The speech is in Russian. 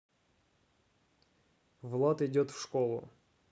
влад идет в школу